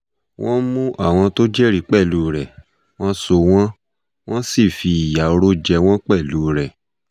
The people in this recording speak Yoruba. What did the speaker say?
Wọ́n mú àwọn tó jẹ́rìí pẹ̀lú rẹ̀, wọ́n so wọ́n, wọ́n sì fi ìyà oró jẹ wọ́n pẹ̀lú rẹ̀.